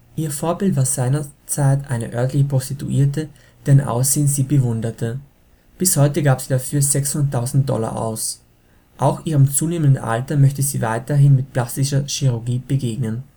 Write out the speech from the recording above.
Ihr Vorbild war seinerzeit eine örtliche Prostituierte, deren Aussehen sie bewunderte. Bis heute gab sie dafür 600.000 Dollar aus. Auch ihrem zunehmenden Alter möchte sie weiterhin mit plastischer Chirurgie begegnen